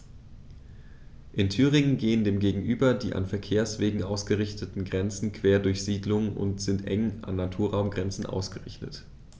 In Thüringen gehen dem gegenüber die an Verkehrswegen ausgerichteten Grenzen quer durch Siedlungen und sind eng an Naturraumgrenzen ausgerichtet.